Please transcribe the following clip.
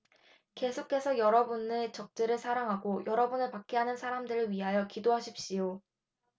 계속해서 여러분의 적들을 사랑하고 여러분을 박해하는 사람들을 위하여 기도하십시오